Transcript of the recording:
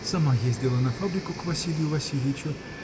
сама ездила на фабрику к Насилью Васильичу